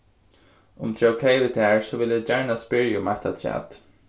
um tað er ókey við tær so vil eg gjarna spyrja um eitt afturat